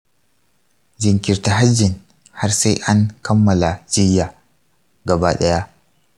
jinkirta hajjin har sai an kammala jiyya gaba ɗaya.